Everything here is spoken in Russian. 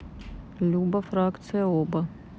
люба фракция оба